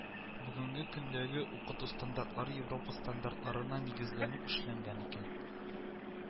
Бүгенге көндәге укыту стандартлары Европа стандартларына нигезләнеп эшләнгән икән